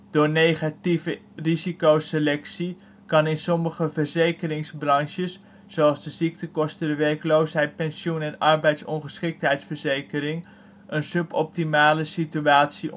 Door negatieve risicoselectie kan in sommige verzekeringsbranches (ziektekosten, werkloosheid, pensioen, arbeidsongeschiktheid) een sub-optimale situatie